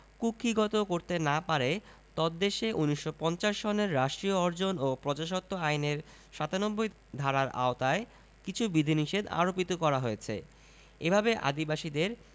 কুক্ষীগত করতে না পারে তদ্দেশে ১৯৫০ সনের রাষ্ট্রীয় অর্জন ও প্রজাস্বত্ব আইনের ৯৭ ধারার আওতায় কিছু বিধিনিষেধ আরোপিত করা হয়েছে এভাবে আদিবাসীদের